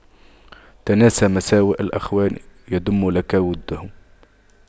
تناس مساوئ الإخوان يدم لك وُدُّهُمْ